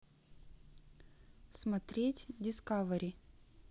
смотреть дискавери